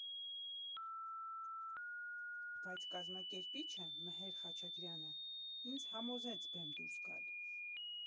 Բայց կազմակերպիչը՝ Մհեր Խաչատրյանը, ինձ համոզեց բեմ դուրս գալ։